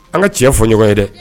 An ka tiɲɛ fɔ ɲɔgɔn ye dɛ